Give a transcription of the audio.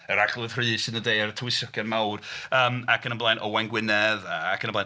Yr Arglwydd Rhys yn y De a'r tywysogion mawr yym ac yn y blaen. Owain Gwynedd ac yn y blaen.